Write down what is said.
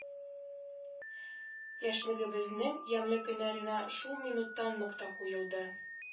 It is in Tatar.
Яшьлегебезнең ямьле көннәренә шул минутта нокта куелды